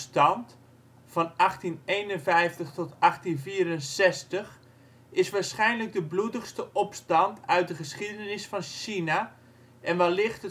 van 1851-1864 is waarschijnlijk de bloedigste opstand uit de geschiedenis van China en wellicht